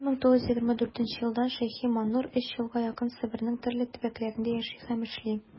1924 елдан ш.маннур өч елга якын себернең төрле төбәкләрендә яши һәм эшли.